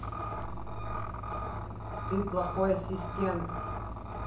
ты плохой ассистент